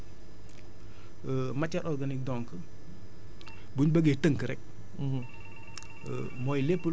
ci loolu matière organique donc buñ bëggee tënk rek